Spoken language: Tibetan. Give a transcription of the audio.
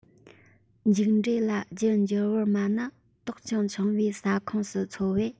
མཇུག འབྲས ལ རྒྱུད འགྱུར བར མ ནི དོག ཅིང ཆུང བའི ས ཁོངས སུ འཚོ བས